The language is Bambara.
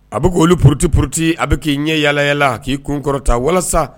A bɛ k'o porote porote a bɛ k'i ɲɛ yaalayla k'i kun kɔrɔta walasa